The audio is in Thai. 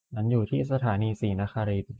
ฉันอยู่ที่สถานีศรีนครินทร์